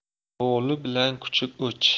lo'li bilan kuchuk o'ch